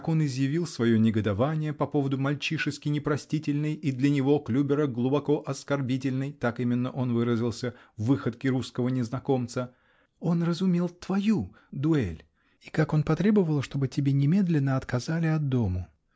как он изъявил свое негодование по поводу мальчишески-непростительной и для него, Клюбера, глубоко оскорбительной (так именно он выразился) выходки русского незнакомца -- он разумел твою дуэль -- и как он потребовал, чтобы тебе немедленно отказали от дому.